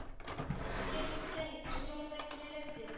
Киткән киткән туры монда киләләр ди